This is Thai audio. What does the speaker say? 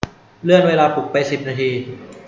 เลื่อนเวลาปลุกไปสิบนาที